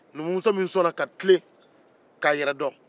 numumuso min sɔnna ka tilen k'a yɛrɛ dɔn